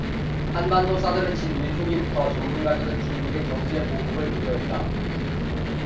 한반도 사드 배치 논의 초기부터 전문가들은 중국의 경제 보복을 우려했다